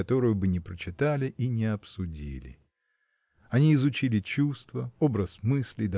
которую бы не прочитали и не обсудили. Они изучили чувства образ мыслей